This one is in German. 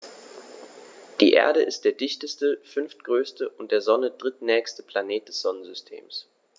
Die Erde ist der dichteste, fünftgrößte und der Sonne drittnächste Planet des Sonnensystems.